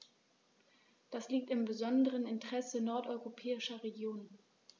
Dies liegt im besonderen Interesse nordeuropäischer Regionen.